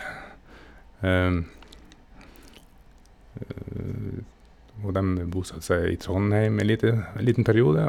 Og dem bosatte seg i Trondheim ei liten en liten periode.